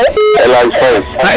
Elhaj Faye